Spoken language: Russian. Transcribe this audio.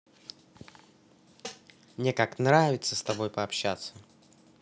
мне как нравится с тобой пообщаться